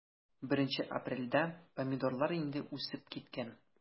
1 апрельдә помидорлар инде үсеп киткән.